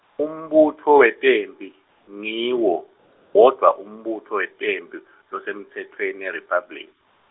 umbutfo wetemphi, ngiwo, wodvwa umbutfo wetemphi, losemtsetfweni eRiphabli-.